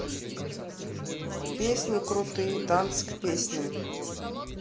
песни крутые и танцы к песням